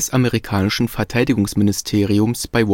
US-amerikanischen Verteidigungsministeriums bei